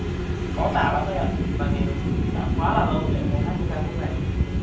khó tả lắm anh ạ và vì đã quá là lâu rồi em không hát những ca khúc này